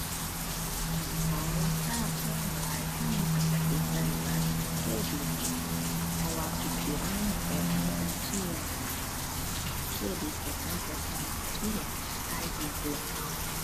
คันของราคาแพงหลายพันข้อยก็สิก็บัตรเครดิตล่ะ เพราะว่าสิเก็บเงินสดในบัญชีไว้ บัตรเครดิตก็จั่งไปผ่อนเอาทีหลัง จ่ายสิ้นเดือนเอา